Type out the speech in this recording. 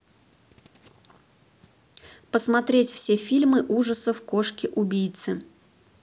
посмотреть все фильмы ужасов кошки убийцы